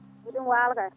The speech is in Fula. mbiɗomi waalo kayi